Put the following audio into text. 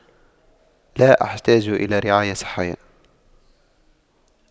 لا أحتاج إلى رعاية صحية